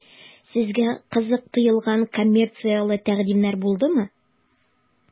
Сезгә кызык тоелган коммерцияле тәкъдимнәр булдымы?